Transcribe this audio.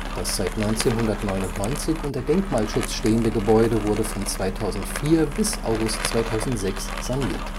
Das seit 1999 unter Denkmalschutz stehende Gebäude wurde von 2004 bis August 2006 saniert